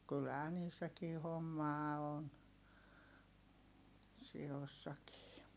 kyllähän niissäkin hommaa on sioissakin